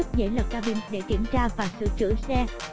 giúp dễ lật cabin để kiểm tra và sữa chữa xe